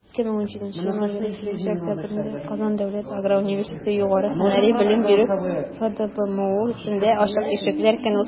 2017 елның 28 октябрендә «казан дәүләт аграр университеты» югары һөнәри белем бирү фдбмусендә ачык ишекләр көне узачак.